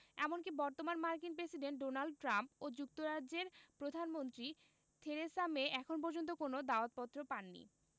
এমনকি বর্তমান মার্কিন প্রেসিডেন্ট ডোনাল্ড ট্রাম্প ও যুক্তরাজ্যের প্রধানমন্ত্রী থেরেসা মে এখন পর্যন্ত কোনো দাওয়াতপত্র পাননি